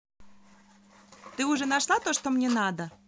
ты уже нашла то что мне надо